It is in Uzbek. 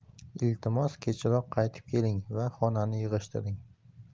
iltimos kechroq qaytib keling va xonani yig'ishtiring